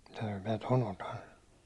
mitä jos minä tuon otan sanoi